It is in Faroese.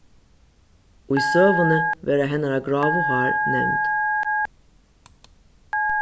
í søguni verða hennara gráu hár nevnd